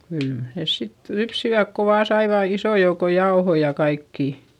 kyllä ne sitten lypsivät kun vain saivat ison joukon jauhoja ja kaikkea